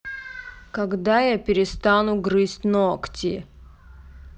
когда я перестану грызть ногти